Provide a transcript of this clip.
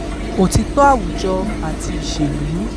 Òtítọ́ Àwùjọ àti Ìṣèlú